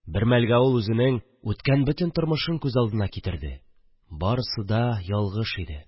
Бер мәлгә ул үзенең үткән бөтен тормышын күз алдына китерде: барысы да ялгыш иде